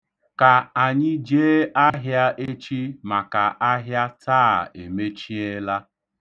Ka anyị jee ahịa echi maka ahịa taa emechiela.